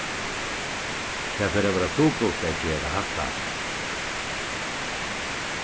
tað fer at vera trupult at gera hatta